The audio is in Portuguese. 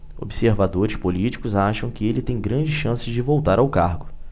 observadores políticos acham que ele tem grandes chances de voltar ao cargo